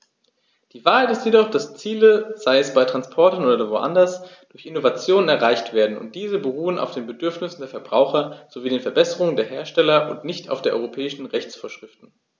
Die Wahrheit ist jedoch, dass Ziele, sei es bei Transportern oder woanders, durch Innovationen erreicht werden, und diese beruhen auf den Bedürfnissen der Verbraucher sowie den Verbesserungen der Hersteller und nicht nur auf europäischen Rechtsvorschriften.